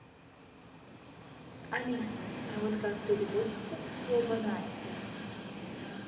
алиса а вот а как переводится слово настя